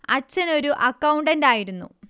അച്ഛൻ ഒരു അക്കൗണ്ടന്റായിരുന്നു